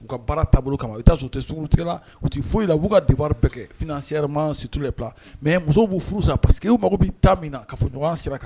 U ka baara taabolo kama u bɛ taa sɔrɔ u tɛ sunguru tigɛla , u tɛ foyi la, u b'u ka devoirs bɛɛ kɛ financièremen, sur tous les plans mais musow b'u furu sa, parce que u mago bɛ temps min na kafɔɲɔgɔnya sira kan